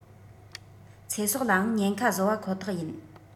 ཚེ སྲོག ལའང ཉེན ཁ བཟོ བ ཁོ ཐག ཡིན